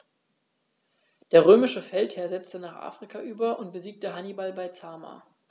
Der römische Feldherr setzte nach Afrika über und besiegte Hannibal bei Zama.